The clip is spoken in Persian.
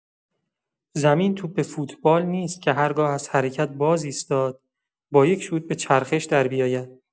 زمین توپ فوتبال نیست که هرگاه از حرکت بازایستاد، با یک شوت به چرخش دربیاید.